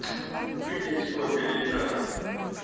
выйди из профиля ильнара